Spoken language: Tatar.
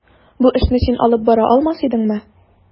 Бу эшне син алып бара алмас идеңме?